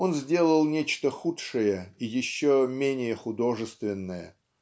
он сделал нечто худшее и еще менее художественное